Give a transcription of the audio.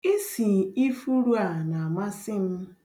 Isi ifuru a na-amasị m.